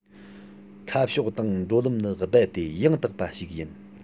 ཁ ཕྱོགས དང འགྲོ ལམ ནི རྦད དེ ཡང དག པ ཞིག ཡིན